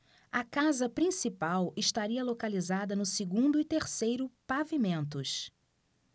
a casa principal estaria localizada no segundo e terceiro pavimentos